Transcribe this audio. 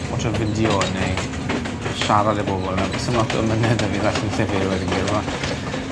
watsio fideo neu siarad i bobol nawr s'im lot o ymynedd 'da fi i ddarllen llyfyr i weud y gwir 'ma.